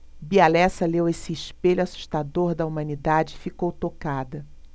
bia lessa leu esse espelho assustador da humanidade e ficou tocada